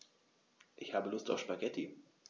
Ich habe Lust auf Spaghetti.